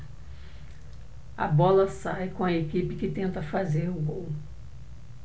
a bola sai com a equipe que tenta fazer o gol